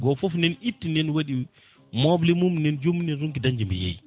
goto foo nana itti nane waɗi moble mum nani joomum nani ronki dañde mo yeeyi